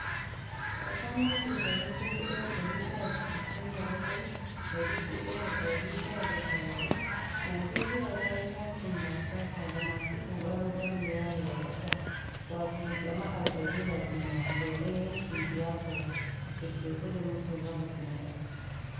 Tsakanin shekarun 1967 da 1970, Nijeriya ta yi yaƙin basasa da masu ƙoƙarin ɓallewa daga ƙasar wato jama'ar ƙabilar Inyamirai 'yan yankin Biafra da ke kudu maso gabas na ƙasar.